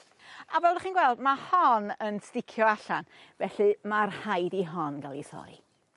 A fel 'dych chi'n gweld ma' hon yn sticio allan felly ma' rhaid i hon ga'l 'i thorri.